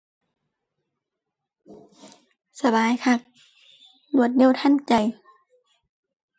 สบายคัก รวดเร็วทันใจ